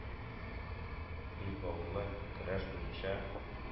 Билбаулы көрәш буенча